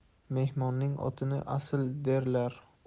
mehmonning otini asl derlar